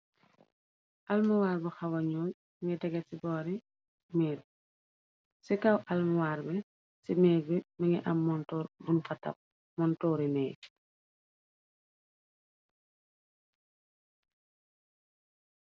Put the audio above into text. Almuwaar bi xawa ñuul mongi tegé ci boori miirbi ci kaw almuwaar bi ci miir bi mongi am montor bun fa teex montoori neeg.